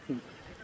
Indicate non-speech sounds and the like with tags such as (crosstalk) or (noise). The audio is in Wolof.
(hesitation) (hesitation)